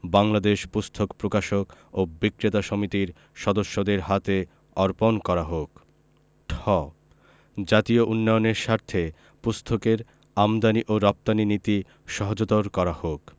বাংলাদেশ পুস্তক প্রকাশক ও বিক্রেতা সমিতির সদস্যদের হাতে অর্পণ করা হোক ঠ জাতীয় উন্নয়নের স্বার্থে পুস্তকের আমদানী ও রপ্তানী নীতি সহজতর করা হোক